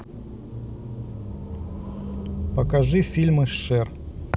покажи фильмы с шер